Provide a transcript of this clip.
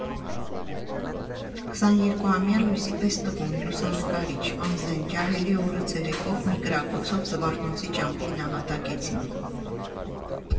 Քսաներկուամյա լույսի պես տղուն՝ լուսանկարիչ, անզեն ջահելի օրը ցերեկով մի կրակոցով «Զվարթնոցի» ճամփին նահատակեցին։